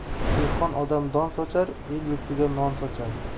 dehqon odam don sochar el yurtiga non sochar